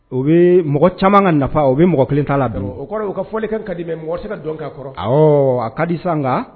U bɛ mɔgɔ caman ka nafa o bɛ mɔgɔ kelen t taa la dɔn o ka fɔlikɛ ka di mɛ mɔgɔ ka dɔn ka kɔrɔ a ka di sisanga